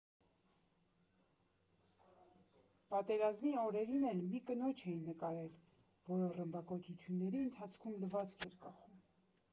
Պատերազմի օրերին էլ մի կնոջ էի նկարել, որը ռմբակոծությունների ընթացքում լվացք էր կախում։